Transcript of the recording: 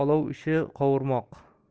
olov ishi qovurmoq